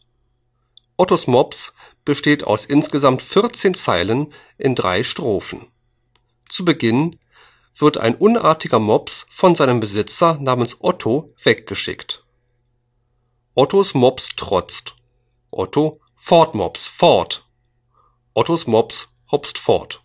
ottos mops besteht aus insgesamt 14 Zeilen in drei Strophen. Zu Beginn wird ein unartiger Mops von seinem Besitzer namens Otto weggeschickt. „ ottos mops trotzt otto: fort mops fort ottos mops hopst fort